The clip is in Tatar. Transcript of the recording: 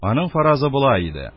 Аның фаразы болай иде: